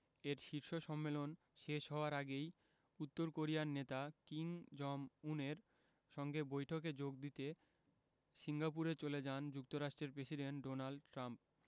এর শীর্ষ সম্মেলন শেষ হওয়ার আগেই উত্তর কোরিয়ার নেতা কিম জং উনের সঙ্গে বৈঠকে যোগ দিতে সিঙ্গাপুরে চলে যান যুক্তরাষ্ট্রের প্রেসিডেন্ট ডোনাল্ড ট্রাম্প